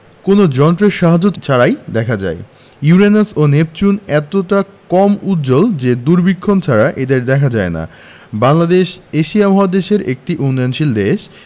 কোনো যন্ত্রের সাহায্য ছাড়াই দেখা যায় ইউরেনাস ও নেপচুন এতটা কম উজ্জ্বল যে দূরবীক্ষণ ছাড়া এদের দেখা যায় না বাংলাদেশ এশিয়া মহাদেশের একটি উন্নয়নশীল দেশ